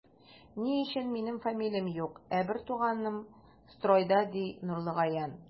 Ни өчен минем фамилиям юк, ә бертуганым стройда, ди Нурлыгаян.